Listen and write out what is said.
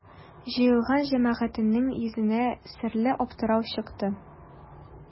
Җыелган җәмәгатьнең йөзенә серле аптырау чыкты.